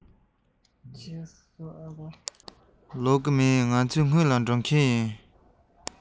ལོག གི མིན ང མཚོ སྔོན ལ འགྲོ མཁན ཡིན